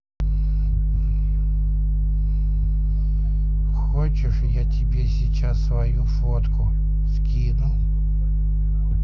хочешь я тебе сейчас свою фотку скинул